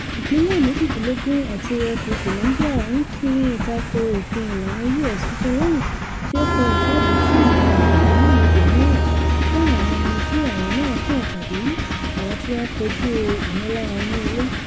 Ìpínlẹ̀ méjìdínlógún àti Ẹkùn Columbia ń kín ìtakò òfin ìlànà U.S tuntun lẹ́hìn tí ó kọ ìṣàbò fún àwọn ènìyàn nílùú ibòmíràn fún àwọn ẹni tí ọ̀rọ̀ náà kàn tàbí àwọn tí wọ́n kojú ìnilára inú-ilé.